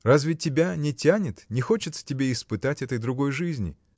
Разве тебя не тянет, не хочется тебе испытать этой другой жизни?.